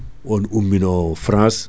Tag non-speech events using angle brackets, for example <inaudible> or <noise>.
<noise> on ummi no France